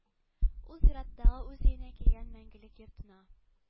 Ул зираттагы үз өенә килгән мәңгелек йортына